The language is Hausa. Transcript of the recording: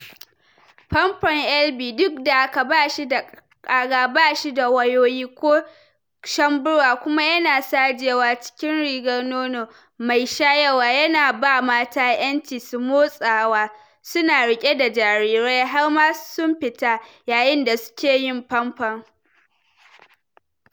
fomfo Elvie duk da haka, bashi da kara, ba shi da wayoyi ko shambura kuma yana sajewa cikin rigar nono mai shayarwa, yana ba mata 'yanci su motsawa, su na riƙe da jarirai, har ma sun fita yayin da suke yin famfo.